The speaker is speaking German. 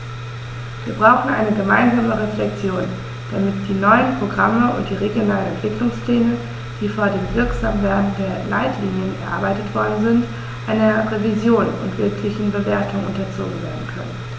Wir brauchen eine gemeinsame Reflexion, damit die neuen Programme und die regionalen Entwicklungspläne, die vor dem Wirksamwerden der Leitlinien erarbeitet worden sind, einer Revision und wirklichen Bewertung unterzogen werden können.